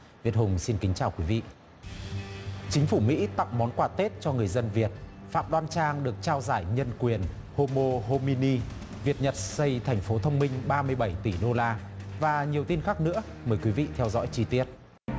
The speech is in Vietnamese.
việt hùng xin kính chào quý vị chính phủ mỹ tặng món quà tết cho người dân việt phạm đoan trang được trao giải nhân quyền hô mô hô mi ni việt nhật xây thành phố thông minh ba mươi bảy tỷ đô la và nhiều tin khác nữa mời quý vị theo dõi chi tiết